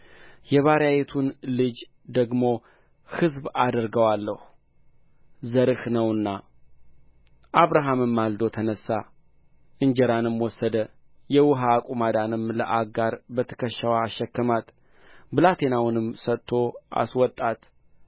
የባሪያይቱን ልጅ ደግሞ ሕዝብ አደርገዋለሁ ዘርህ ነውና አብርሃምም ማልዶ ተነሣ እንጀራንም ወሰደ የውኃ አቁማዳንም ለአጋር በትከሻዋ አሸከማት ብላቴናውንም ሰጥቶ አስወጣት